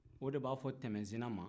o de b'a fɔ tɛmɛnsena ma